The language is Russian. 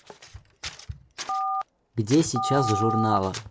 где сейчас журнала